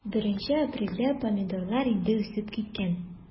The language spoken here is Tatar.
1 апрельдә помидорлар инде үсеп киткән.